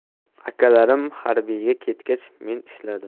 akalarim harbiyga ketgach men ishladim